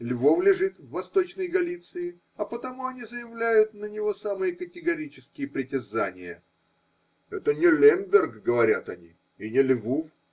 Львов лежит в Восточной Галиции, а потому они заявляют на него самые категорические притязания. Это не Лемберг. говорят они. и не Львув.